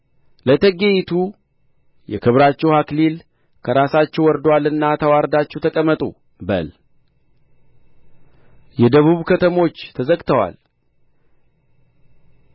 ለእቴጌይቱ የክብራችሁ አክሊል ከራሳችሁ ወርዶአልና ተዋርዳችሁ ተቀመጡ በል የደቡብ ከተሞች ተዘግተዋል